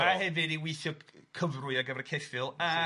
A hefyd i weithio cyfrwy ar gyfer ceffyl